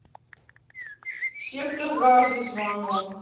сектор газа звонок